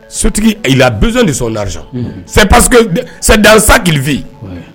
Sotigi yi la ni nisɔnz padsaililifin